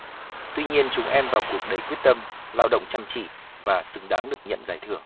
tuy nhiên chúng em vào cuộc đầy quyết tâm lao động chăm chỉ và xứng đáng được nhận giải thưởng